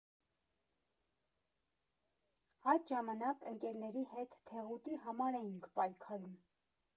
Այդ ժամանակ ընկերների հետ Թեղուտի համար էին պայքարում։